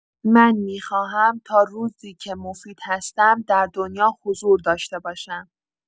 من می‌خواهم تا روزی که مفید هستم در دنیا حضور داشته باشم.